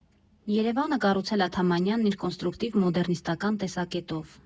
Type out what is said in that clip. Երևանը կառուցել ա Թամանյանն իր կոնստրուկտիվ մոդեռնիստական տեսակետով։